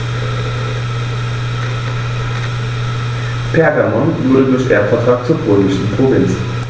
Pergamon wurde durch Erbvertrag zur römischen Provinz.